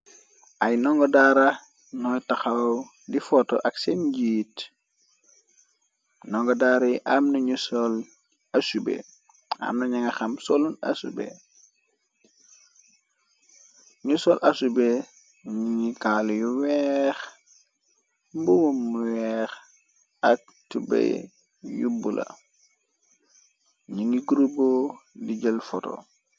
Ay ndongo daara noy taxaw di foto ak seen njiit ndongo daara yi amam ñag xam sñu sol asube ni ngi kaalu yu weex mbubu weex ak tubey yubbu la ñu ngi gurubo di jël foto.